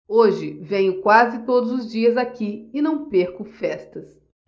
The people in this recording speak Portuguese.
hoje venho quase todos os dias aqui e não perco festas